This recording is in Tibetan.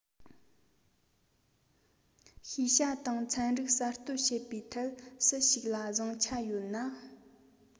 ཤེས བྱ དང ཚན རྩལ གསར གཏོད བྱེད པའི ཐད སུ ཞིག ལ བཟང ཆ ཡོད ན